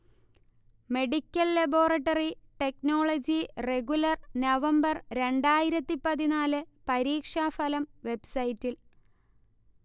medical laboratory technology regular November രണ്ടായിരത്തി പതിനാല് പരീക്ഷാഫലം വെബ്സൈറ്റിൽ